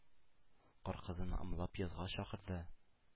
Кар кызын ымлап язга чакырды,